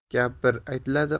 gap bir aytiladi